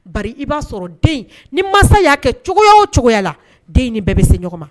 Ba i b'a sɔrɔ den in ni mansa y'a kɛ cogoya o cogoya la den in bɛɛ bɛ se ɲɔgɔn ma